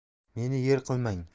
meni yer qilmang